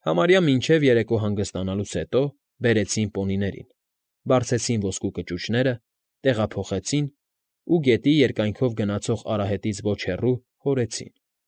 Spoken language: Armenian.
Համարյա մինչև երեկո հանգստանալուց հետո բերեցին պոնիներին, բարձեցին ոսկու կճուճները, տեղափոխեցին ու գետի երկայնքով գնացող արահետից ոչ հեռու հորեցին։